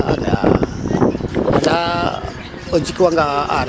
xa'aa anda o jikwanga a aareer.